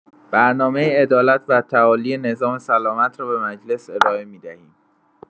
برنامه عدالت و تعالی نظام سلامت را به مجلس ارائه می‌دهیم.